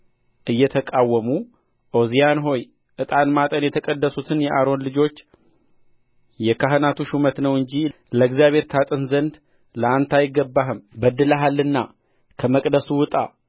እየተቃወሙ ዖዝያን ሆይ ዕጣን ማጠን የተቀደሱት የአሮን ልጆች የካህናቱ ሹመት ነው እንጂ ለእግዚአብሔር ታጥን ዘንድ ለአንተ አይገባህም በድለሃልና ከመቅደሱ ውጣ